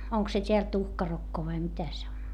onko se täällä tuhkarokko vai mitä se on